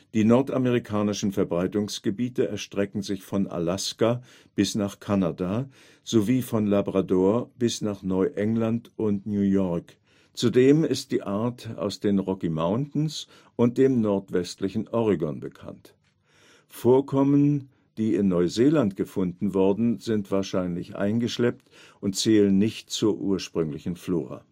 Die nordamerikanischen Verbreitungsgebiete erstrecken sich von Alaska bis nach Kanada, sowie von Labrador bis nach Neuengland und New York, zudem ist die Art aus den Rocky Mountains und dem nordwestlichen Oregon bekannt. Vorkommen, die in Neuseeland gefunden wurden, sind wahrscheinlich eingeschleppt und zählen nicht zur ursprünglichen Flora